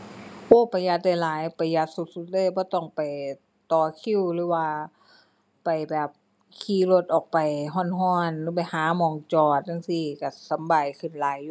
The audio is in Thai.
โอ้ ประหยัดได้หลายประหยัดสุดสุดเลย บ่ต้องไปต่อคิว หรือว่าไปแบบ ขี่รถออกไปร้อนร้อน หรือไปหาหม้องจอดจั่งซี้ร้อนสำบายขึ้นหลายอยู่